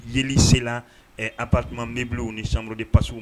Yeli sera ɛ appartement meublés ni chambre de passes